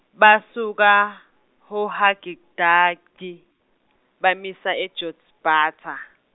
basuka Horhagidgadi bamisa e Jotbatha